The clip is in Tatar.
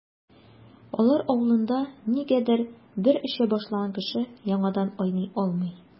Алар авылында, нигәдер, бер эчә башлаган кеше яңадан айный алмый.